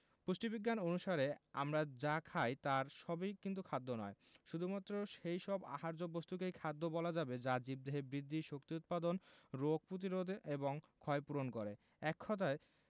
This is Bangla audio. পুষ্টিবিজ্ঞান অনুসারে আমরা যা খাই তার সবই কিন্তু খাদ্য নয় শুধুমাত্র সেই সব আহার্য বস্তুকেই খাদ্য বলা যাবে যা জীবদেহে বৃদ্ধি শক্তি উৎপাদন রোগ প্রতিরোধ এবং ক্ষয়পূরণ করে এক কথায়